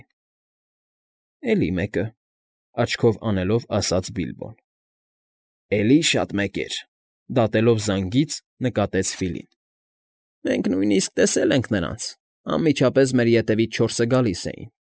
Այն։ ֊ Էլի մեկը, ֊ աչքով անելով ասաց Բիլբոն։ ֊ Էլի շատ մեկեր, դատեոլվ զանգից, ֊ նկատեց Ֆիլին։ ֊ Մենք նույնիսկ տեսել ենք նրանց, անմիջապես մեր ետևից չորսը գալիս էին։